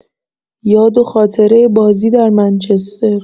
یاد و خاطره بازی در منچستر